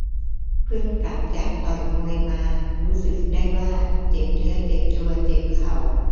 พึ่งกลับจากต่อยมวยมารู้สึกได้ว่าเจ็บเนื้อเจ็บตัวเจ็บเข่า